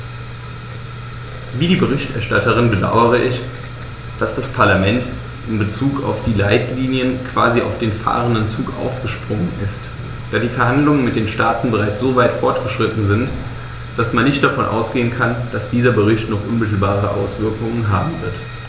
Wie die Berichterstatterin bedaure ich, dass das Parlament in bezug auf die Leitlinien quasi auf den fahrenden Zug aufgesprungen ist, da die Verhandlungen mit den Staaten bereits so weit fortgeschritten sind, dass man nicht davon ausgehen kann, dass dieser Bericht noch unmittelbare Auswirkungen haben wird.